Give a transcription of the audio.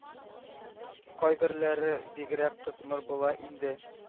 Кайберләре бигрәк кысмыр була инде.